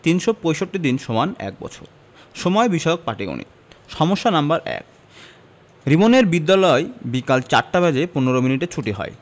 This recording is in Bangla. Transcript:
৩৬৫ দিন সমান ১বছর সময় বিষয়ক পাটিগনিতঃ সমস্যা নাম্বার ১ রিমনের বিদ্যালয় বিকাল ৪ টা বেজে ১৫ মিনিটে ছুটি হয়